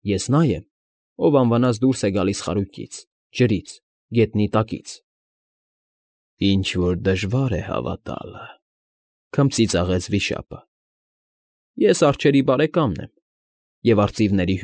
Ես նա եմ, ով անվնաս է դուրս գալիս խարույկից, ջրից, գետնի տակից։ ֊ Ինչ֊որ դժվար է հավատալը,֊ քմծիծաղեց վիշապը։ ֊ Ես արջերի բարեկամն եմ և արծիվների։